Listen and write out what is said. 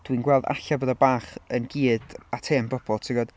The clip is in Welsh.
Dwi'n gweld alle fod o'n bach yn geared at hen bobl ti'n gwbod?